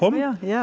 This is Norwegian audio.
å ja ja.